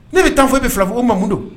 Ne bɛ taa fɔ e bɛ fila fɔko ma mun don